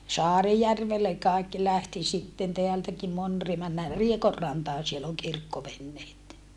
Saarijärvelle kaikki lähti sitten täältäkin moni - mennään Riekonrantaan siellä on kirkkoveneet